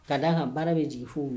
Ka d'a ka baara bɛ jigin fow la